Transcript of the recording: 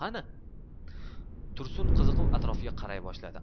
qani tursun qiziqib atrofiga qaray boshladi